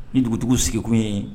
Ni dugutigi sigikun ye